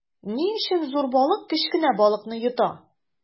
Ни өчен зур балык кечкенә балыкны йота?